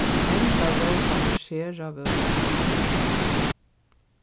henda rósan er sera vøkur